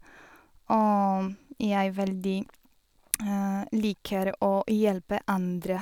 Og jeg veldig liker å hjelpe andre.